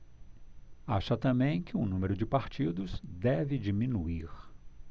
acha também que o número de partidos deve diminuir